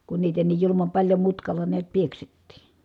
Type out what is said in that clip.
kun niitä niin julman paljon mutkalla näet pieksettiin